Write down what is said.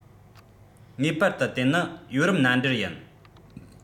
ངེས པར དུ དེ ནི ཡོ རོབ མནའ འབྲེལ ཡིན